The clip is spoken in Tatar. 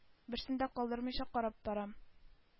Берсен дә калдырмыйча карап бара,